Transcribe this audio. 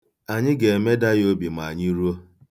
Anyị ga-emeda ya obi ma anyị ruo.